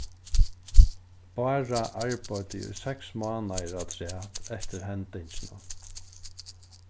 bára arbeiddi í seks mánaðir afturat eftir hendingina